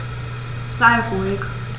Sei ruhig.